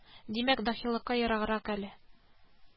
Димәк даһилыкка ераграк әле